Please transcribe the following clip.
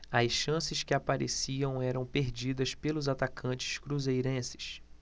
as chances que apareciam eram perdidas pelos atacantes cruzeirenses